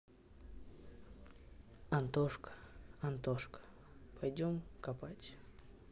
антошка антошка пойдем копать